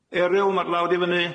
Eryl ma'r law di fyny.